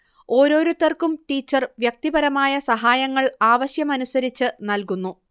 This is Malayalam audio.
ഓരോരുത്തർക്കും ടീച്ചർ വ്യക്തിപരമായ സഹായങ്ങൾ ആവശ്യമനുസരിച്ച് നൽകുന്നു